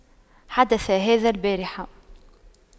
حدث هذا البارحة